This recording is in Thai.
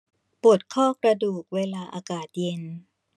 ปวดข้อกระดูกเวลาอากาศเย็น